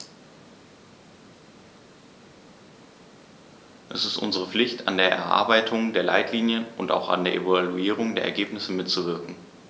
Es ist unsere Pflicht, an der Erarbeitung der Leitlinien und auch an der Evaluierung der Ergebnisse mitzuwirken.